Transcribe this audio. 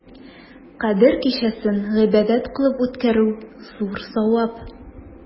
Кадер кичәсен гыйбадәт кылып үткәрү зур савап.